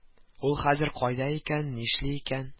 Ул хәзер кайда икән нишли икән